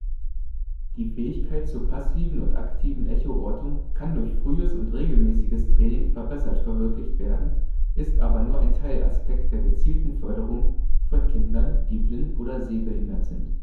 Die Fähigkeit zur passiven und aktiven Echoortung kann durch frühes und regelmäßiges Training verbessert verwirklicht werden, ist aber nur ein Teilaspekt der gezielten Förderung von Kindern, die blind oder sehbehindert sind